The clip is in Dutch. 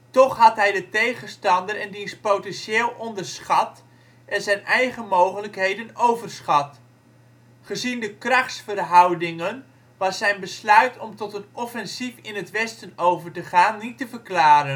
Toch had hij de tegenstander en diens potentieel onderschat en zijn eigen mogelijkheden overschat. Gezien de krachtsverhoudingen, was zijn besluit om tot een offensief in het westen over te gaan niet te verklaren. De